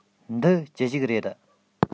འདི ཅི ཞིག རེད